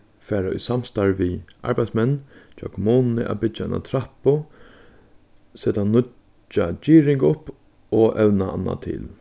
fara í samstarv við arbeiðsmenn hjá kommununi at byggja eina trappu seta nýggja girðing upp og evna annað til